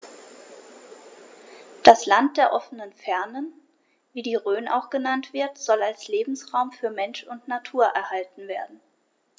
Das „Land der offenen Fernen“, wie die Rhön auch genannt wird, soll als Lebensraum für Mensch und Natur erhalten werden.